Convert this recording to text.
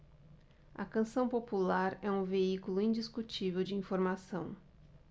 a canção popular é um veículo indiscutível de informação